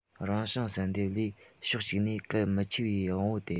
རང བྱུང བསལ འདེམས ལས ཕྱོགས གཅིག ནས གལ མི ཆེ བའི དབང པོ སྟེ